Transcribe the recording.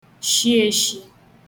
shi èshi